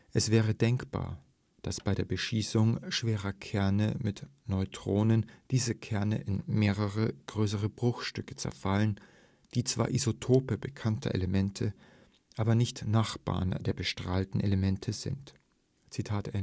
Es wäre denkbar, dass bei der Beschießung schwerer Kerne mit Neutronen diese Kerne in mehrere größere Bruchstücke zerfallen, die zwar Isotope bekannter Elemente, aber nicht Nachbarn der bestrahlten Elemente sind. “Aber